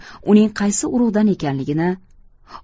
uning qaysi urug'dan ekanligini